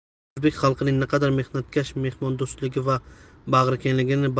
o'zbek xalqining naqadar mehnatkashligi mehmondo'stligi va bag'rikengligi